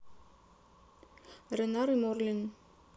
ренар и морлин